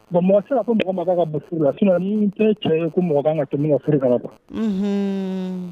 Bon mɔgɔ sera ko mɔgɔ ka la cɛ ye ko mɔgɔ kan ka tɛmɛ ka furu kana ban